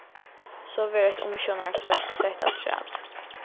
so verður eitt umsjónarfólk sett afturat